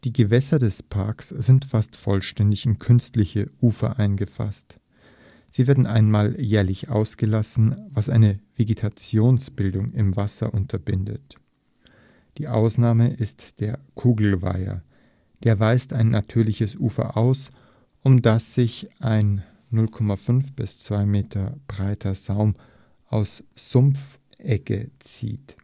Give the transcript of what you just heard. Gewässer des Parks sind fast vollständig in künstliche Ufer eingefasst. Sie werden einmal jährlich ausgelassen, was eine Vegetationsbildung im Wasser unterbindet. Die Ausnahme ist der Kugelweiher, er weist ein natürliches Ufer auf, um das sich ein 0,5 – 2 m breiter Saum aus Sumpfsegge zieht